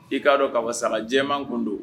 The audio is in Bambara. I k'a dɔn ka fɔ saɔɔga jɛman kun don